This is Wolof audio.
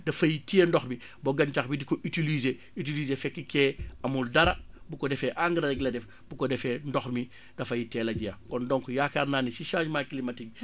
dafay téye ndox bi ba gàncax bi di ko utiliser utiliser fekk kee amul dara bu ko defee engrais gi la def bu ko defee ndox mi dafay teel a jeex kon donc yaakaar naa ni ci changement climatique bi